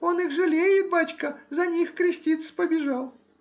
он их жалеет, бачка,— за них креститься побежал.